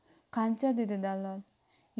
qancha dedi dallol